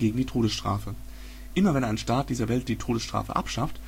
die Todesstrafe: Immer wenn ein Staat dieser Welt die Todesstrafe abschafft